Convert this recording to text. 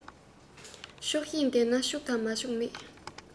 ཆོག ཤེས ལྡན ན ཕྱུག དང མ ཕྱུག མེད